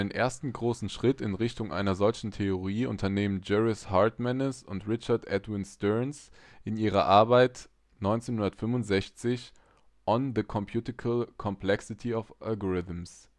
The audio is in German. ersten großen Schritt in Richtung einer solchen Theorie unternehmen Juris Hartmanis und Richard Edwin Stearns in ihrer 1965 erschienenen Arbeit „ On the computational complexity of algorithms